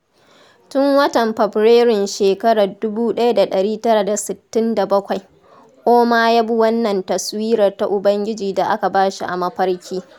Tun watan Fabrairun shekarar 1967, Ouma ya bi wannan taswirar ta ubangiji da aka ba shi a mafarki.